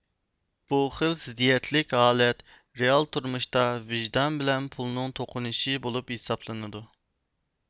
بۇ خىل زىددىيەتلىك ھالەت رېئال تۇرمۇشتا ۋىجدان بىلەن پۇلنىڭ توقۇنۇشۇشى بولۇپ ئىپادىلىنىدۇ